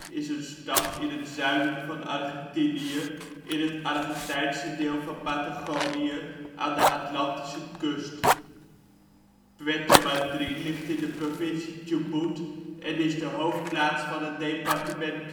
is een stad in het zuiden van Argentinië, in het Argentijnse deel van Patagonië, aan de Atlantische kust. Puerto Madryn ligt in de provincie Chubut en is de hoofdplaats van het departement